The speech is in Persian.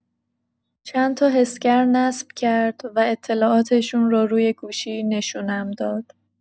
چند تا حسگر نصب کرد و اطلاعاتشون رو روی گوشی نشونم داد.